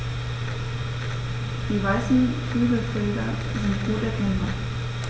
Die weißen Flügelfelder sind gut erkennbar.